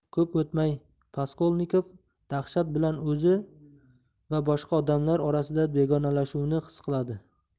ko'p o'tmay raskolnikov dahshat bilan o'zi va boshqa odamlar orasida begonalashuvni his qiladi